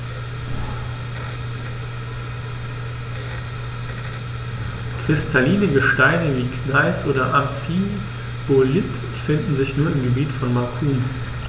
Kristalline Gesteine wie Gneis oder Amphibolit finden sich nur im Gebiet von Macun.